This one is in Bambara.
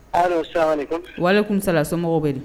Allo salamu aleyiku, walekunsala, somɔgɔw bɛ di